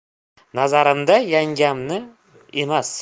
nazarimda yangamni emas